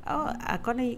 Ɔ a kɔni